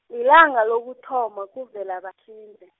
lilanga lokuthoma kuVelabahlinze.